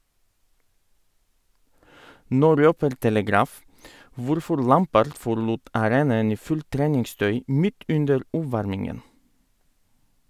Nå røper Telegraph hvorfor Lampard forlot arenaen i fullt treningstøy midt under oppvarmingen.